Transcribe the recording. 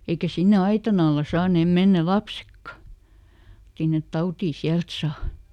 eikä sinne aitan alla saaneet mennä lapsetkaan sinne tautia sieltä saa